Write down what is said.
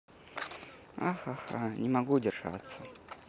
ахахаха не могу держаться